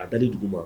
A da dugu ma